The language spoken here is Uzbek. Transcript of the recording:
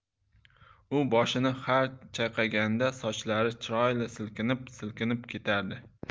u boshini har chayqaganda sochlari chiroyli silkinib silkinib ketardi